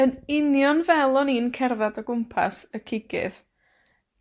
Yn union fel o'n i'n cerddad o gwmpas y cigydd,